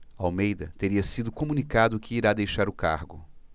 almeida teria sido comunicado que irá deixar o cargo